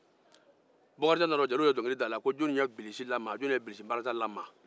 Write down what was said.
bakarijan nana jeli ye dɔnkili da a la ko jɔnni ye bilisi lamaga jɔnni ye bilisi balasa lamaga